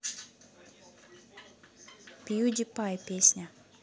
пьюдипай песня